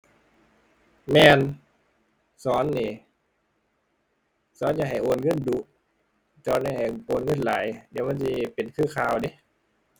แม่น สอนนี่ สอนอย่าให้โอนเงินดู๋ สอนอย่าให้โอนเงินหลาย เดี๋ยวมันสิเป็นคือข่าวเดะ